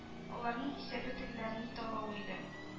Аларның исәбе тегеләрне талау иде